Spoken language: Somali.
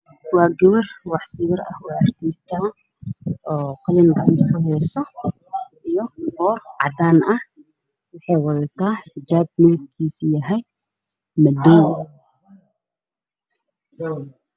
Halkaan waxaa ka muuqdo gabar wax ku jooraynayso warqad cad